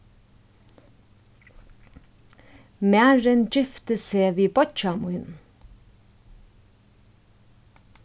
marin gifti seg við beiggja mínum